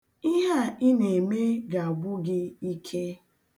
Ihe a ị na-eme ga-agwụ gị ike.